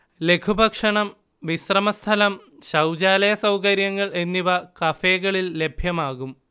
ലഘുഭക്ഷണം, വിശ്രമസ്ഥലം, ശൗചാലയ സൗകര്യങ്ങൾ എന്നിവ കഫേകളിൽ ലഭ്യമാകും